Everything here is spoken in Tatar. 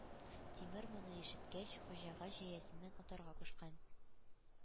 Тимер моны ишеткәч, Хуҗага җәясеннән атарга кушкан.